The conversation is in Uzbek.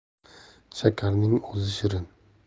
shakarning ozi shirin